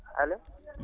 allo